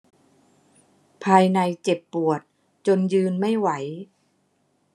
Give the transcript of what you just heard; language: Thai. ภายในเจ็บปวดจนยืนไม่ไหว